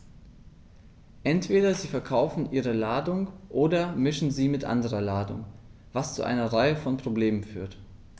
Entweder sie verkaufen ihre Ladung oder mischen sie mit anderer Ladung, was zu einer Reihe von Problemen führt.